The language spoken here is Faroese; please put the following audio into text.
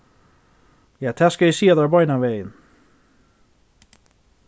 ja tað skal eg siga tær beinanvegin